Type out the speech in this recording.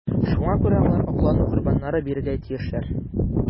Шуңа күрә алар аклану корбаннары бирергә тиешләр.